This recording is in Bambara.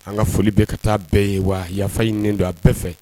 An ka foli bɛ ka taa bɛɛ ye wa yafa yelen don a bɛɛ fɛ